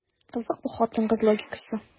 Кызык бу хатын-кыз логикасы.